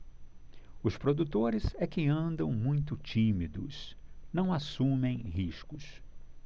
os produtores é que andam muito tímidos não assumem riscos